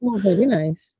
Oh, very nice!